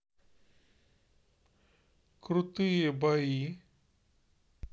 крутые бои